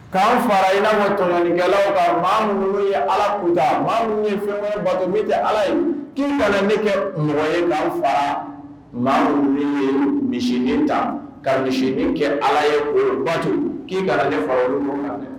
K'an fara in'a kainkɛlaw kan maa minnu ye ala kun ta ye fɛn ye bato bɛ tɛ ala ye k kin kana ne kɛ mɔgɔ yefa maa minnu ye mi ta kani kɛ ala ye batu k' nefa